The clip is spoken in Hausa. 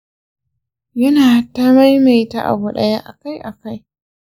yana ta maimaita abu ɗaya akai-akai.